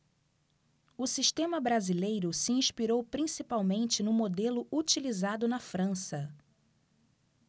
o sistema brasileiro se inspirou principalmente no modelo utilizado na frança